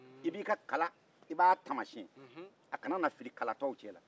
i b'i ka kala taamasiyɛn a kana na ɲagami kala tɔw cɛla